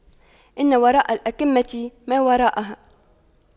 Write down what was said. إن وراء الأَكَمةِ ما وراءها